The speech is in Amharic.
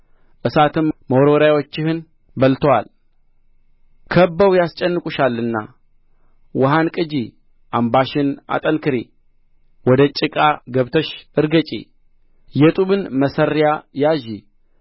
እሳትም መወርወሪያዎችህን በልቶአል ከብበው ያስጨንቁሻልና ውኃን ቅጂ አምባሽን አጠንክሪ ወደ ጭቃ ገብተሽ እርገጪ የጡብን መሠሪያ ያዢ